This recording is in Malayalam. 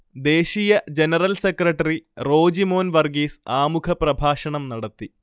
ദേശീയ ജനറൽ സെക്രട്ടറി റോജിമോൻ വർഗ്ഗീസ് ആമുഖപ്രഭാഷണം നടത്തി